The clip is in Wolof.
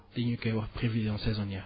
te ñu koy wax prévision saisonnière